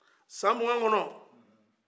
san mugan kɔnɔ